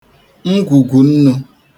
ngwùgwù nnū